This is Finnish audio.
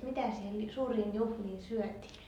mitä siellä suuriin juhliin syötiin